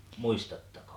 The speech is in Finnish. muistatteko